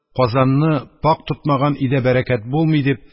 Казанны пакь тотмаган өйдә бәрәкәт булмый, – дип,